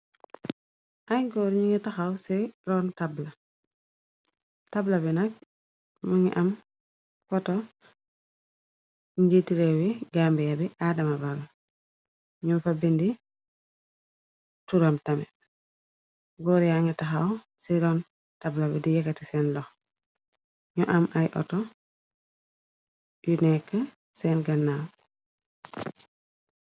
ay góor ñu nga taxaw ci rn tabltablabi nak më ngi am poto njiiti réewyi gambea bi aadama vall ñu fa bindi turam tame góor ya nga taxaw ci ron tabla bi di yekati seen ndox ñu am ay hoto yu nekk seen gannaaw